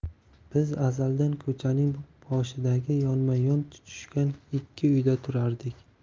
biz azaldan ko'chaning boshidagi yonma yon tushgan ikki uyda turardik